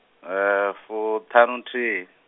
fuṱhanunthihi.